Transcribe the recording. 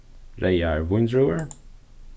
reyðar víndrúvur